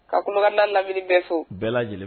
Ka kumakan' lamini bɛso bɛɛ lajɛlen